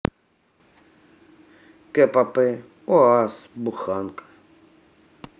кпп уаз буханка